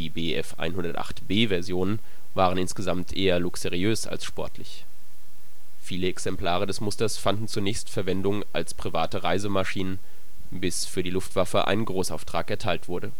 Bf 108 B-Versionen waren insgesamt eher luxuriös als sportlich. Viele Exemplare des Musters fanden zunächst Verwendung als private Reisemaschinen, bis für die Luftwaffe ein Großauftrag erteilt wurde